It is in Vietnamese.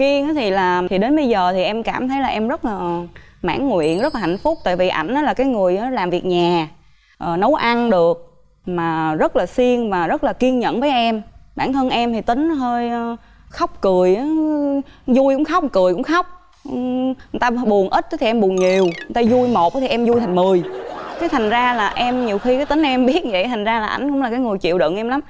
kiên á thì là thì đến bây giờ thì em cảm thấy là em rất là mãn nguyện rất là hạnh phúc tại vì ảnh là cái người làm việc nhà ở nấu ăn được mà rất là siêng và rất là kiên nhẫn với em bản thân em thì tính hơi khóc cười vui vui cũng khóc cười cũng khóc người ta buồn ít thì em buồn nhiều người ta vui một thì em vui thành mười cái thành ra là em nhiều khi tính em biết vậy thành ra là ảnh là cái người chịu đựng em lắm